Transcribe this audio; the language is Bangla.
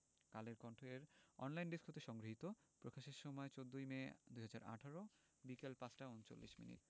কালের কণ্ঠ এর অনলাইনে ডেস্ক হতে সংগৃহীত প্রকাশের সময় ১৪মে ২০১৮ বিকেল ৫টা ৩৯ মিনিট